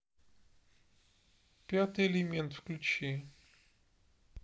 пятый элемент включи